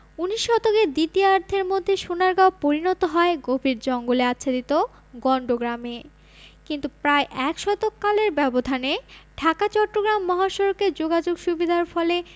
ঊনিশ শতকের দ্বিতীয়ার্ধের মধ্যে সোনারগাঁও পরিণত হয় গভীর জঙ্গলে আচ্ছাদিত গন্ড গ্রামে কিন্তু প্রায় এক শতক কালের ব্যবধানে ঢাকা চট্টগ্রাম মহাসড়কে যোগাযোগ সুবিধার ফলে